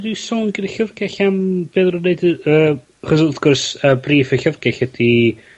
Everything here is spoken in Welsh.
...ryw sôn gin y llyfrgell am be' odden nw'n neud y, yy... Achos wrth gwrs, yy brîf y llyfgell ydi